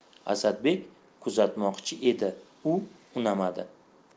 asadbek kuzatmoqchi edi u unamadi